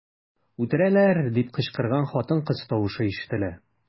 "үтерәләр” дип кычкырган хатын-кыз тавышы ишетелә.